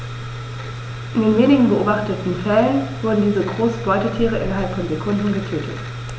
In den wenigen beobachteten Fällen wurden diese großen Beutetiere innerhalb von Sekunden getötet.